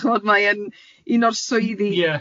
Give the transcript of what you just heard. chimod mae e'n un o'r swyddi... Ie.